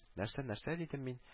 Нәрсә, нәрсә? — дидем мин